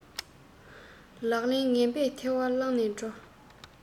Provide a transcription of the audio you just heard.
ལག ལེན ངན པས ཐལ བ བསླངས ནས འགྲོ